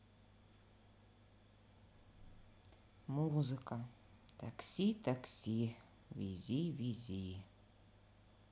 музыка такси такси вези вези